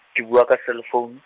ke bua ka selefoune.